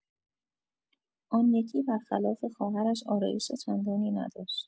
آن یکی بر خلاف خواهرش آرایش چندانی نداشت.